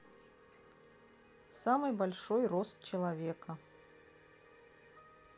самый большой рост человека